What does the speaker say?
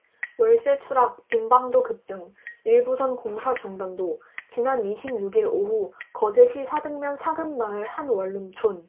월세 추락 빈 방도 급증 일부선 공사 중단도 지난 이십 육 일 오후 거제시 사등면 사근마을 한 원룸촌